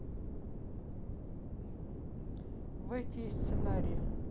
выйти из сценария